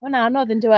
Mae'n anodd yndyw e?